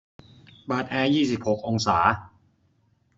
เปิดแอร์ยี่สิบหกองศา